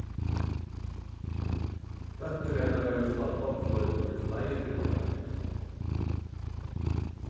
dóttir hennara hevur spælt blokkfloytu í fleiri ár